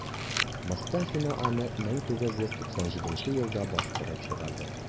Мостафина аны 1997 елда бастырып чыгарды.